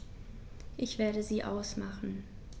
Ich werde sie ausmachen.